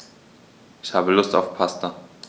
Ich habe Lust auf Pasta.